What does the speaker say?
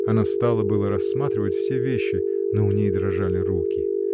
Она стала было рассматривать все вещи, но у ней дрожали руки.